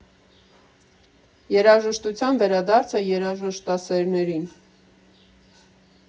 Երաժշտութան վերադարձը երաժշտասերներին։